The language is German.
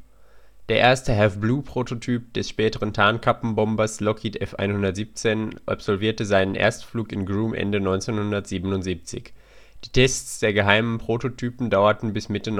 Der erste Have Blue-Prototyp des späteren Tarnkappenbombers Lockheed_F-117 absolvierte seinen Erstflug in Groom Ende 1977. Die Tests der geheimen Prototypen dauerte bis Mitte